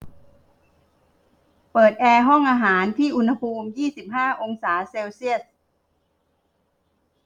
เปิดแอร์ห้องอาหารที่อุณหภูมิยี่สิบห้าองศาเซลเซียส